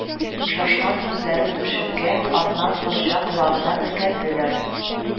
Шашкан күзләре түшәмгә, аннан морҗа калагына текәлделәр